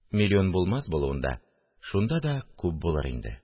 Милион булмас булуын да, шулай да күп булыр инде